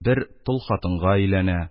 Бер тол хатынга өйләнә.